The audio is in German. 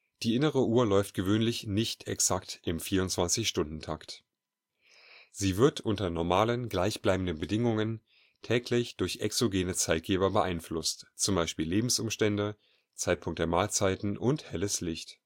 Die innere Uhr läuft gewöhnlich nicht exakt im 24-Stunden-Takt. Sie wird unter normalen, gleichbleibenden Bedingungen täglich durch exogene Zeitgeber (z. B. Lebensumstände, Zeitpunkt der Mahlzeiten und helles Licht